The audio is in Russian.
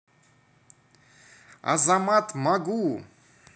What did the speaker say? азамат могу